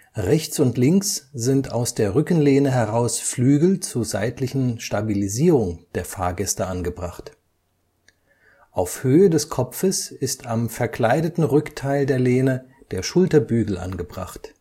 Rechts und links sind aus der Rückenlehne heraus Flügel zu seitlichen Stabilisierung der Fahrgäste angebracht. Auf Höhe des Kopfes ist am verkleideten Rückteil der Lehne der Schulterbügel angebracht